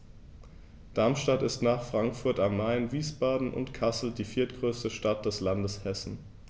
Darmstadt ist nach Frankfurt am Main, Wiesbaden und Kassel die viertgrößte Stadt des Landes Hessen